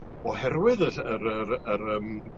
oherwydd y ll- yr yr yr yym